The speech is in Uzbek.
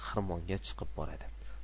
xirmonga chiqib boradi